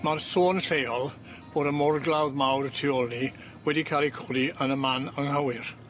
Ma'r sôn lleol bod y morglawdd mawr y tu ôl ni wedi ca'l ei codi yn y man anghywir.